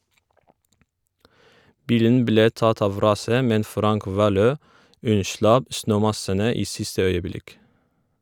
Bilen ble tatt av raset, men Frank Valø unnslapp snømassene i siste øyeblikk.